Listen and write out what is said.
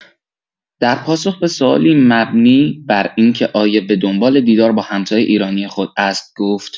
در پاسخ به سوالی مبنی بر اینکه آیا به دنبال دیدار با همتای ایرانی خود است، گفت: